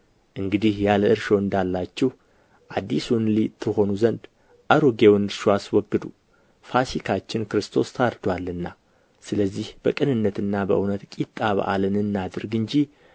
እንግዲህ ያለ እርሾ እንዳላችሁ አዲሱን ሊጥ ትሆኑ ዘንድ አሮጌውን እርሾ አስወግዱ ፋሲካችን ክርስቶስ ታርዶአልና ስለዚህ በቅንነትና በእውነት ቂጣ በዓልን እናድርግ እንጂ